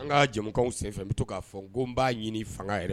An ka jamu sen bɛ to k'a fɔ n ko n b'a ɲini fanga yɛrɛ